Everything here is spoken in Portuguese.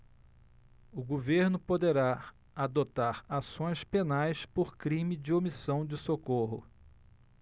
o governo poderá adotar ações penais por crime de omissão de socorro